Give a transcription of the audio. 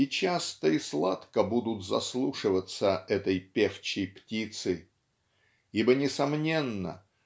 И часто и сладко будут заслушиваться этой певчей птицы. Ибо несомненно